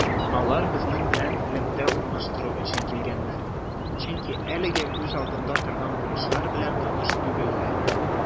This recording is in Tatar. Алар безнең белән элемтә урнаштыру өчен килгәннәр, чөнки әлегә үз алдында торган бурычлар белән таныш түгелләр.